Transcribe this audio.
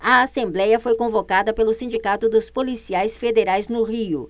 a assembléia foi convocada pelo sindicato dos policiais federais no rio